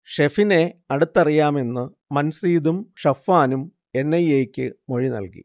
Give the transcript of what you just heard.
ഷെഫിനെ അടുത്തറിയാമെന്ന് മൻസീദും ഷഫ്വാനും എൻ. ഐ. എ. യ്ക്ക് മൊഴി നൽകി